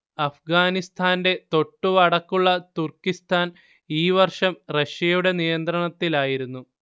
അഫ്ഗാനിസ്താന്റെ തൊട്ടു വടക്കുള്ള തുർക്കിസ്താൻ ഈ വർഷം റഷ്യയുടെ നിയന്ത്രണത്തിലായിരുന്നു